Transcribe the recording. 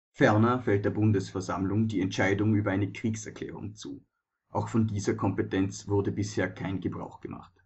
Ferner fällt der Bundesversammlung die Entscheidung über eine Kriegserklärung zu. Auch von dieser Kompetenz wurde bisher kein Gebrauch gemacht